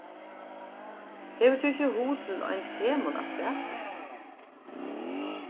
hevur tú ikki hug til ein temunn afturat